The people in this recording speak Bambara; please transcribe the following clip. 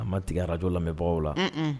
A ma tigɛraj lamɛn bɔ o la